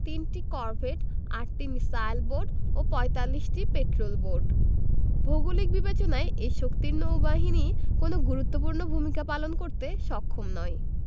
৩টি করভেট ৮টি missile boat ও ৪৫টি পেট্রল বোট ভৌগোলিক বিবেচনায় এই শক্তির নৌবাহিনী কোনো গুরুত্বপূর্ণ ভূমিকা পালন করতে সক্ষম নয়